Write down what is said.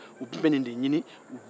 u tun be nin de ɲini